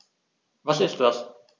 Was ist das?